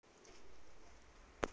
это не шутка пожалуйста не шутка